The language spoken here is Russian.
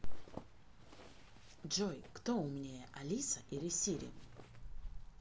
джой кто умнее алиса или сири